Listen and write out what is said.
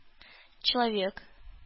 Человек